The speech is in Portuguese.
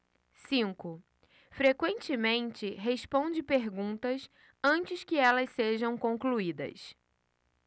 cinco frequentemente responde perguntas antes que elas sejam concluídas